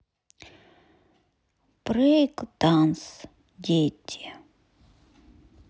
брейк данс дети